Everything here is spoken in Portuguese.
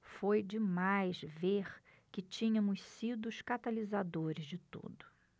foi demais ver que tínhamos sido os catalisadores de tudo